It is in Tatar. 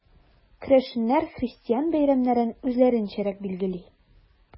Керәшеннәр христиан бәйрәмнәрен үзләренчәрәк билгели.